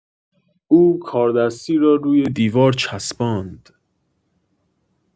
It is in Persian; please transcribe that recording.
او کاردستی را روی دیوار چسباند